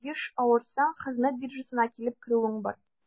Еш авырсаң, хезмәт биржасына килеп керүең бар.